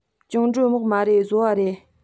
བཅིངས འགྲོལ དམག མ རེད བཟོ བ རེད